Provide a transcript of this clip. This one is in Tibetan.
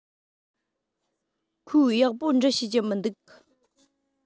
ཁོས ཡག པོ འབྲི ཤེས ཀྱི མི འདུག